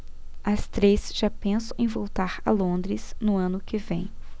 as três já pensam em voltar a londres no ano que vem